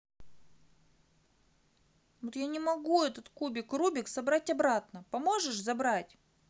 вот я не могу этот кубик рубик собрать обратно поможешь забрать